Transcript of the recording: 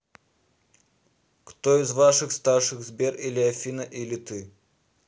кто из ваших старших сбер или афина или ты